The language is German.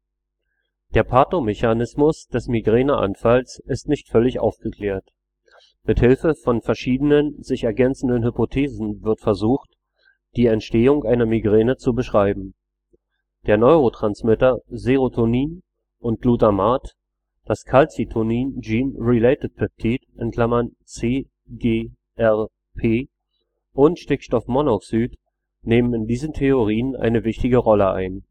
Der Pathomechanismus des Migräneanfalls ist nicht völlig aufgeklärt. Mit Hilfe von verschiedenen sich ergänzenden Hypothesen wird versucht, die Entstehung einer Migräne zu beschreiben. Die Neurotransmitter Serotonin (5-HT) und Glutamat, das Calcitonin Gene-Related Peptide (CGRP) und Stickstoffmonoxid (NO) nehmen in diesen Theorien eine wichtige Rolle ein